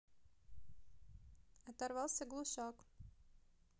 оторвался глушак